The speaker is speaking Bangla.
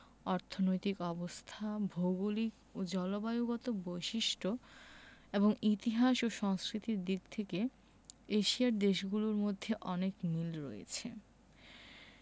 অর্থনৈতিক অবস্থা ভৌগলিক ও জলবায়ুগত বৈশিষ্ট্য এবং ইতিহাস ও সংস্কৃতির দিক থেকে এশিয়ার দেশগুলোর মধ্যে অনেক মিল রয়েছে